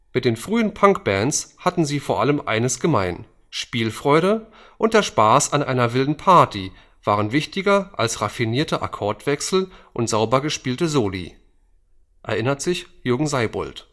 Mit den frühen Punkbands hatten sie vor allem eines gemein: Spielfreude und der Spaß an einer wilden Party waren wichtiger als raffinierte Akkordwechsel und sauber gespielte Soli. “– Jürgen Seibold